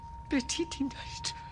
Be' ti 'di neud?